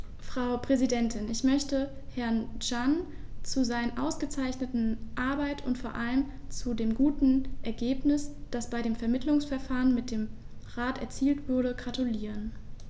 Frau Präsidentin, ich möchte Herrn Cancian zu seiner ausgezeichneten Arbeit und vor allem zu dem guten Ergebnis, das bei dem Vermittlungsverfahren mit dem Rat erzielt wurde, gratulieren.